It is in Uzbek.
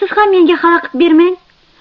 siz ham menga xalaqit bermang